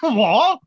What?